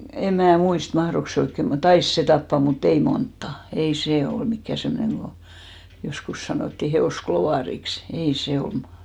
en minä muista mahtoiko se oikein mutta taisi se tappaa mutta ei montaa ei se ollut mikään semmoinen kun joskus sanottiin hevosklovariksi ei se oma